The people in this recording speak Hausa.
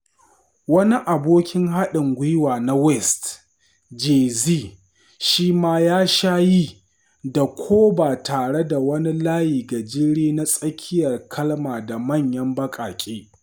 Wani abokin haɗin gwiwa na West, JAY-Z, shi ma ya sha yi da ko ba tare da wani layi gajere na tsakiyar kalma da manyan baƙaƙe.